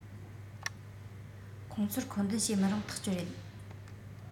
ཁོང ཚོར མཁོ འདོན བྱེད མི རུང ཐག ཆོད རེད